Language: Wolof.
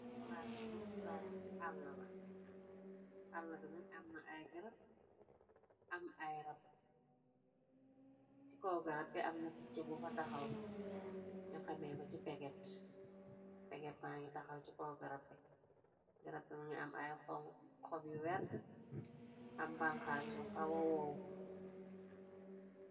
Palass bi si palasi aala àalam ni nak amna ay grab ci kaw garabbe amna picxa bu fa taxaw ño xamee ko ci peget peget ma ngi taxaw ci garab gërab bi mongi am ay xob yu werta am banxaas yu kawa woow.